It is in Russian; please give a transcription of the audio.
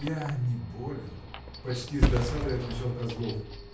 — Я не болен, — почти с досадой отвечал Козлов.